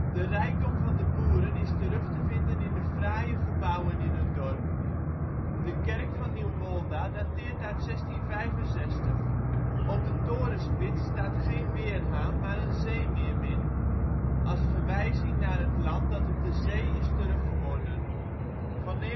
De rijkdom van de boeren is terug te vinden in de fraaie gebouwen in het dorp. De kerk van Nieuwolda dateert uit 1665. Op de torenspits staat geen weerhaan, maar een zeemeermin, als verwijzing naar het land dat op de zee is teruggewonnen. Van 1910 tot 1934